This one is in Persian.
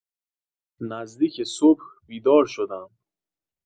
نزدیک صبح بیدار شدم.